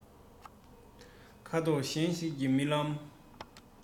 ཁ དོག གཞན ཞིག གི རྨི ལམ